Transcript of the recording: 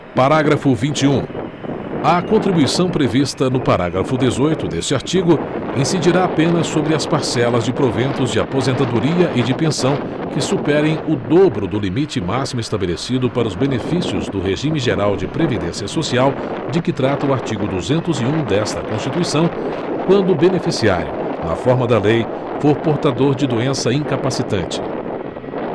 parágrafo vinte e um a contribuição prevista no parágrafo dezoito deste artigo incidirá apenas sobre as parcelas de proventos de aposentadoria e de pensão que superem o dobro do limite máximo estabelecido para os benefícios do regime geral de previdência social de que trata o artigo duzentos e um desta constituição quando o beneficiário na forma da lei for portador de doença incapacitante